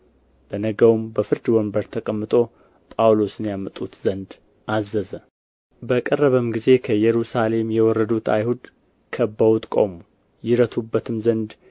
በነገውም በፍርድ ወንበር ተቀምጦ ጳውሎስን ያመጡት ዘንድ አዘዘ በቀረበም ጊዜ ከኢየሩሳሌም የወረዱት አይሁድ ከበውት ቆሙ ይረቱበትም ዘንድ